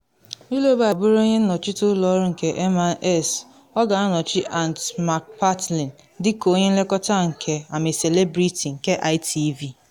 Willoughby ga-abụrụ onye nnọchite ụlọ ọrụ nke M&S, ọ ga-anọchi Ant McPartlin dị ka onye nlekọta nke I’m A Celebrity nke ITV.